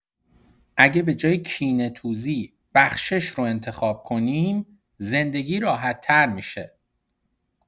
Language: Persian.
اگه به‌جای کینه‌توزی، بخشش رو انتخاب کنیم، زندگی راحت‌تر می‌شه.